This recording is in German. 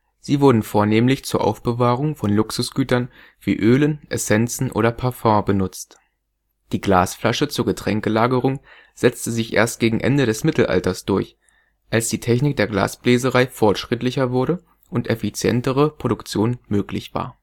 Sie wurden vornehmlich zur Aufbewahrung von Luxusgütern wie Ölen, Essenzen oder Parfum benutzt. Die Glasflasche zur Getränkelagerung setzte sich erst gegen Ende des Mittelalters durch, als die Technik der Glasbläserei fortschrittlicher wurde und effizientere Produktion möglich war